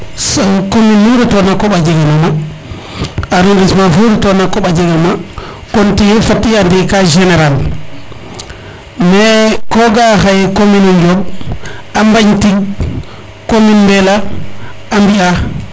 so commune nu retona a koɓa jega ma arrondissement nu retona a koɓa jega ma kon tiye fat i ande ka general mais ko ga xaye commune o NDiomb a mbañ tig commune Mbela a mbi'a